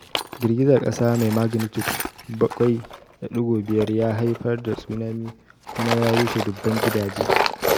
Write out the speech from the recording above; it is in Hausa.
Girgizar kasa mai magnitude 7.5 ya haifar da tsunami kuma ya rushe dubban gidajen.